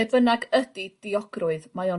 ...be' bynnag ydi diogrwydd mae o'n